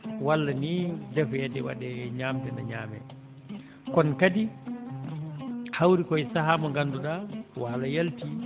walla nii defeede waɗee e ñaamde ene ñaamee kono kadi hawri koye sahaa mo ngannduɗaa waalo yaltii